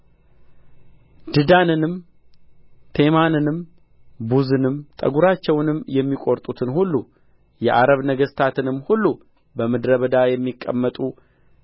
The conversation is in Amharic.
ድዳንንም ቴማንንም ቡዝንም ጠጕራቸውንም የሚቈርጡትን ሁሉ የዓረብ ነገሥታትንም ሁሉ በምድረ በዳ የሚቀመጡ